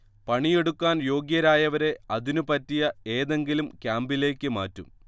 പണിയെടുക്കാൻ യോഗ്യരായവരെ അതിനുപറ്റിയ ഏതെങ്കിലും ക്യാമ്പിലേക്ക് മാറ്റും